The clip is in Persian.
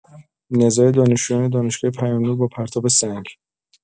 نزاع دانشجویان دانشگاه پیام‌نور با پرتاب سنگ!